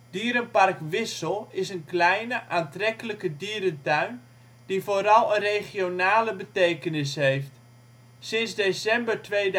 Dierenpark Wissel is een kleine, aantrekkelijke dierentuin die vooral een regionale betekenis heeft. Sinds december 2007